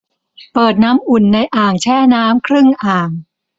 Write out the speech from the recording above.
เปิดน้ำอุ่นในอ่างแช่น้ำครึ่งอ่าง